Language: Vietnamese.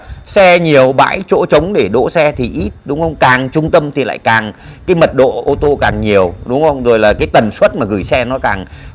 xe nhiều bãi chỗ trống để đỗ xe thì ít đúng không càng trung tâm thì lại càng cái mật độ ô tô càng nhiều đúng không rồi là cái tần suất mà gửi xe nó càng